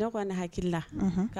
Ne kɔni hakili la unhun